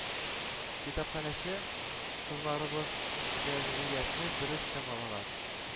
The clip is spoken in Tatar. Китапханәче кызларыбыз вазгыятьне дөрес чамалаган